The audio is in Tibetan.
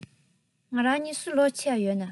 ང རང གཉིས སུ ལོ ཆེ བ ཡོད ན